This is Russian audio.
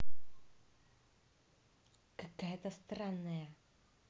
какая то странная